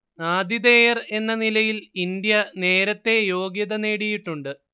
ആതിഥേയർ എന്ന നിലയിൽ ഇന്ത്യ നേരത്തെ യോഗ്യത നേടിയിട്ടുണ്ട്